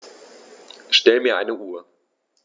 Stell mir eine Uhr.